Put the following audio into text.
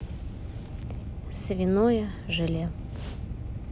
свиное желе